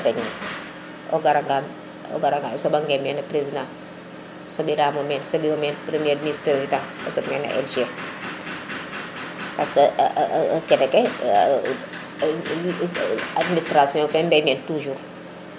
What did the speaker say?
jafe ñe de o gara nga o soɓa nge mena président soɓiramo meen soɓiro meen 1er vice président o soɓ mena SG parce que kene ke administration fe o mbay meen toujours